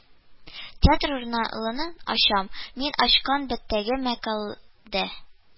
«театр» журналын ачам, мин ачкан биттәге мәка ләдә